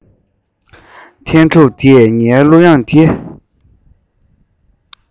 ཐན ཕྲུག དེས ངའི གླུ དབྱངས དེ